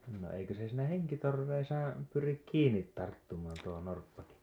no eikö se siinä henkitoreissaan pyri kiinni tarttumaan tuo norppakin